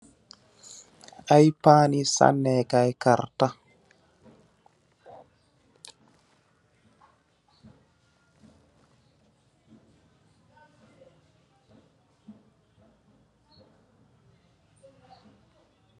Aay pani saneh kai karta.